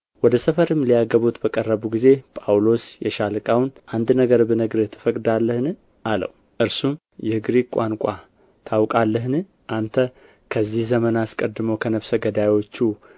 ወደ ሰፈርም ሊያገቡት በቀረቡ ጊዜ ጳውሎስ የሻለቃውን አንድ ነገር ብነግርህ ትፈቅዳለህን አለው እርሱም የግሪክ ቋንቋ ታውቃለህን አንተ ከዚህ ዘመን አስቀድሞ ከነፍሰ ገዳዮቹ